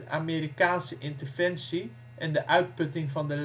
Amerikaanse interventie en de uitputting van de